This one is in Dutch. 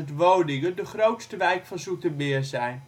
woningen de grootste wijk van Zoetermeer zijn